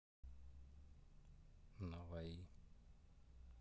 navai